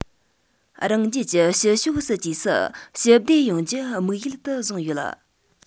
རང རྒྱལ གྱི ཕྱི ཕྱོགས སྲིད ཇུས སུ ཞི བདེ ཡོང རྒྱུ དམིགས ཡུལ དུ བཟུང ཡོད